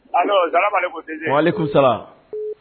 A mali saba